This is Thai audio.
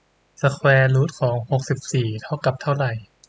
สแควร์รูทของหกสิบสี่เท่ากับเท่าไหร่